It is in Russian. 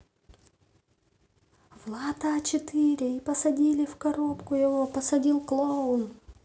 влад а четыре и посадили в коробку его посадил клоун